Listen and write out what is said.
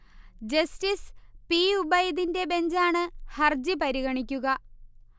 Justice P. ഉബൈദിന്റെ ബഞ്ചാണ് ഹർജി പരിഗണിക്കുക